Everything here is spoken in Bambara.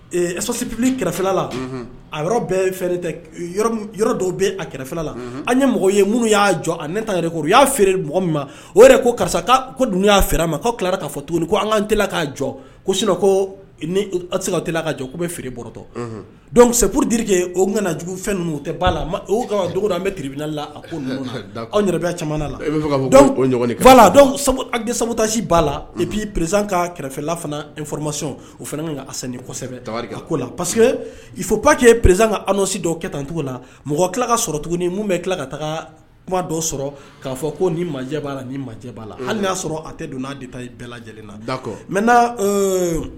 Esɔsipli kɛrɛfɛla a yɔrɔ bɛ yɔrɔ dɔw bɛ a kɛrɛfɛla an ye mɔgɔ ye minnu y'a jɔ a ne taa yɛrɛ u y'a feere mɔgɔ min ma o yɛrɛ ko karisa ko dun y'a fɛ a ma ka tilara k'a fɔ tuguni ko an kan tila k'a jɔ ko sin ko nise kala k ka jɔ'u bɛ feere bɔtɔ seurudike o nana jugu fɛn ninnu tɛ' la dugu bɛribiinala a ko anw yɛrɛ o latasi' la ipi perez ka kɛrɛfɛlafanama o fana min asan kosɛbɛri ko la parce pa que ye perezansi dɔw kɛ tan tugun na mɔgɔ tila ka sɔrɔ tuguni min bɛ tila ka taa kuma dɔ sɔrɔ k'a fɔ ko ni majɛ' la ni majɛ b'a la hali y'a sɔrɔ a tɛ don' taa bɛɛ lajɛlen na dakɔ mɛ